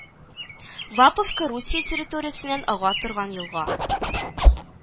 Ваповка Русия территориясеннән ага торган елга